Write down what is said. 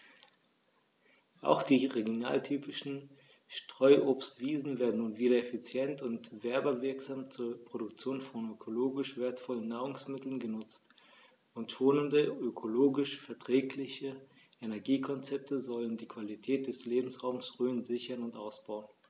Auch die regionaltypischen Streuobstwiesen werden nun wieder effizient und werbewirksam zur Produktion von ökologisch wertvollen Nahrungsmitteln genutzt, und schonende, ökologisch verträgliche Energiekonzepte sollen die Qualität des Lebensraumes Rhön sichern und ausbauen.